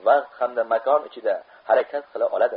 vaqt hamda makon ichida harakat qila oladi